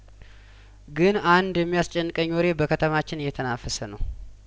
ግን አንድ የሚያስጨንቀኝ ወሬ በከተማችን እየተናፈሰ ነው